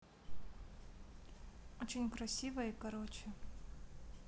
очень красиво и короче